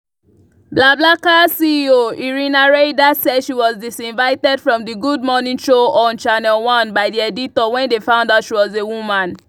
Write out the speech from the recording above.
BlaBlaCar’s CEO Irina Reyder said she was disinvited from the Good Morning show on Channel One by the editor when they found out she was a woman.